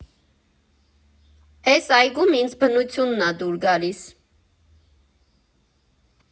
Էս այգում ինձ բնությունն ա դուր գալիս։